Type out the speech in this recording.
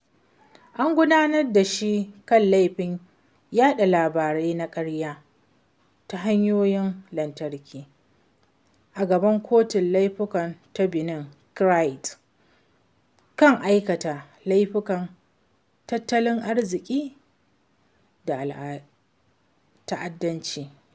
An gurfanar da shi kan laifin “yaɗa bayanai na ƙarya ta hanyoyin lantarki” a gaban kotun laifuka ta Benin’s CRIET kan aikata laifukan tattalin arziƙi da ta’addanci.